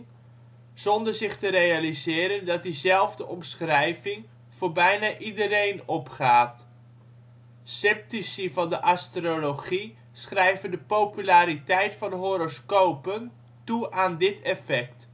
zonder zich te realiseren dat diezelfde omschrijving voor bijna iedereen opgaat. Sceptici van de astrologie schrijven de populariteit van horoscopen toe aan dit effect